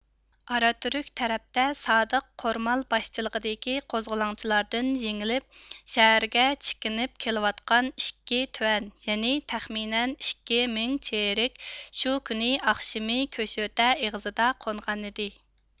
ئاراتۈرۈك تەرەپتە سادىق قورمال باشچىلىقىدىكى قوزغىلاڭچىلاردىن يېڭىلىپ شەھەرگە چېكىنىپ كېلىۋاتقان ئىككى تۇەن يەنى تەخمىنەن ئىككى مىڭ چېرىك شۇ كۈنى ئاخشىمى كۆشۆتە ئېغىزىدا قونغانىدى